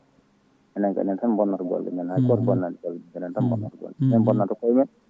enen ko enen tan bonnata golle men ha hay goto bonnani en enen bonnanta kooyemen